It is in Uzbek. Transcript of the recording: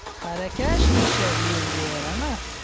xarakash eshak yo'lga yaramas